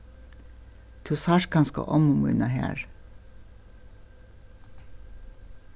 tú sært kanska ommu mína har